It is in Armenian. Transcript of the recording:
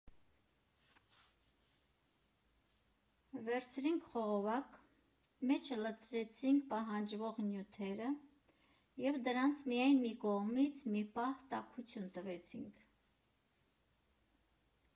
֊ Վերցրեցինք խողովակ, մեջը լցրեցինք պահանջվող նյութերը և դրանց միայն մի կողմից մի պահ տաքություն տվեցինք»։